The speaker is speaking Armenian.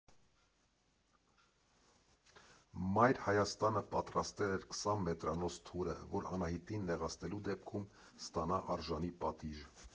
Մայր Հայաստանը պատրաստել էր քսան մետրանոց թուրը, որ Անահիտին նեղացնելու դեպքում, ստանա արժանի պատիժ։